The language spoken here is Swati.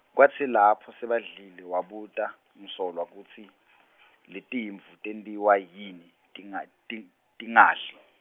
kwatsi lapho sebadlile wabuta, Msolwa kutsi , letimvu tentiwa yini, tinga- ti- tingadli.